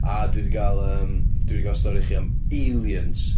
A dwi 'di gael, yym, dwi 'di gael stori i chi am aliens.